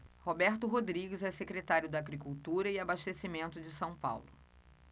roberto rodrigues é secretário da agricultura e abastecimento de são paulo